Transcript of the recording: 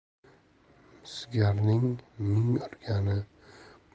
misgarning ming urgani